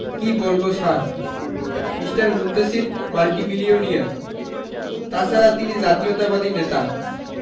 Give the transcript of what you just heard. কি বলব sir Mr Muntasir multimillionaire তাছাড়া তিনি জাতীয়তাবাদী নেতা